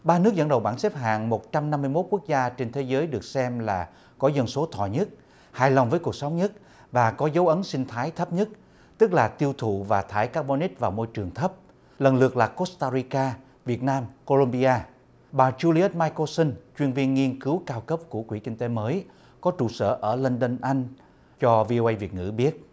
ba nước dẫn đầu bảng xếp hạng một trăm năm mươi mốt quốc gia trên thế giới được xem là có dân số thọ nhất hài lòng với cuộc sống nhất và có dấu ấn sinh thái thấp nhất tức là tiêu thụ và thải các bon ních vào môi trường thấp lần lượt là cốt ta ri ca việt nam cô lum bi a bà du li ớt mai cô sưn chuyện viên nghiên cứu cao cấp của quỹ kinh tế mới có trụ sở ở lân đân anh cho vi ô ây việt ngữ biết